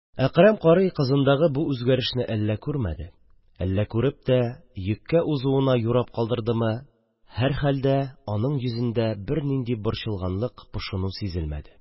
Әкрәм карый кызындагы бу үзгәрешне әллә күрмәде, әллә күреп тә, хатынның йөккә узуына юрап калдырдымы, – һәрхәлдә, аның йөзендә бернинди борчылганлык, пошыну сизелмәде.